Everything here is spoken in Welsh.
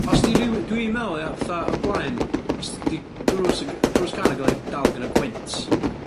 Os 'di ryw- dwi'n me'wl ia fatha o blaen os 'di drws y gy- drws car yn ga'l ei dal gan y gwynt